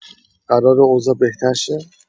قراره اوضاع بهتر شه؟